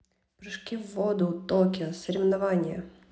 прыжки в воду в токио соревнования